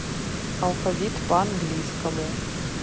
алфавит по английскому